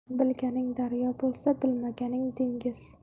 bilganing daryo bo'lsa bilmaganing dengiz